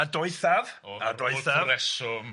a doethaf, a doethaf oedd, oedd breswm